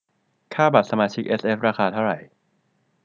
ค่าสมัครสมาชิกเอสเอฟราคาเท่าไหร่